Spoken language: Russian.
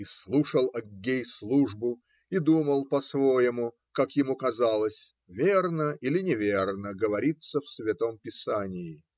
И слушал Аггей службу и думал по-своему, как ему казалось, верно или неверно говорится в святом писании.